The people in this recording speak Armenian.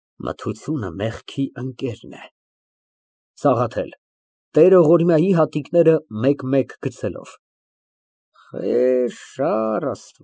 Մթությունը մեղքի ընկերն է։ ՍԱՂԱԹԵԼ ֊ (Տերողորմյայի տատիկները մեկ֊մեկ գցելով)։